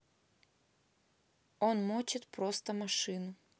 он мочит просто машину